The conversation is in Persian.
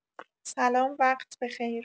سلام وقت بخیر